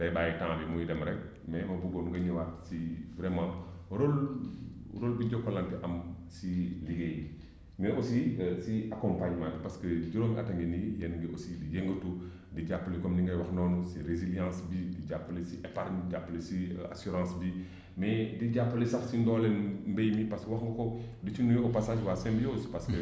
day bàyyi temps bi muy dem rekk mais ma bëggoon nga ñëwaat si vraiment rôle rôle bi Jokalante am si liggéey bi mais aussi si accompagnement bi parce que juróomi at a ngi nii yéen a ngi aussi di yëngatu di jàppale comme ni ngay wax noonu si résiliance bi di jàppale si épargne jàpplae si assurance bi mais di jàppale sax si ndooleel mbay mi parce que wax nga ko di ci nuyu au passage waa Symbiose